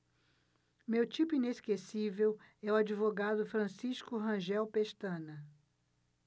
meu tipo inesquecível é o advogado francisco rangel pestana